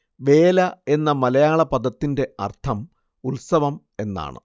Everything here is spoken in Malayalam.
വേല എന്ന മലയാള പദത്തിന്റെ അര്‍ത്ഥം ഉത്സവം എന്നാണ്